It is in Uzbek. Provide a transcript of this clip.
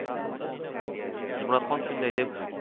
zumradxon shunday deb